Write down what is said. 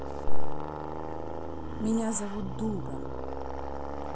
меня зовут дура